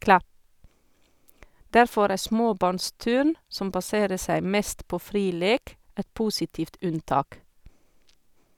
Derfor er småbarnsturn - som baserer seg mest på fri lek - et positivt unntak.